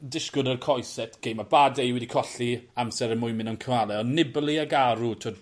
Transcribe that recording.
'n disgwl i'r coese t- 'k ma' Bardet wedi colli amser er mwyn myn' am cymale. O' Nibali ag Aru t'wod